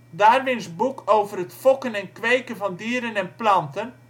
Darwins boek over het fokken en kweken van dieren en planten